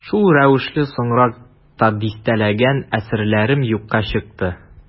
Шул рәвешле соңрак та дистәләгән әсәрләрем юкка чыкты.